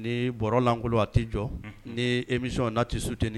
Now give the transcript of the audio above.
Ni bɔralangolo a t tɛi jɔ ni emi nisɔn na tɛ suteni